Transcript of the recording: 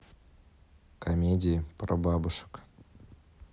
комедии про бабушек